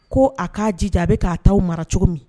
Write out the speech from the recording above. Ko a k'a jija a bɛ k'a taa mara cogo min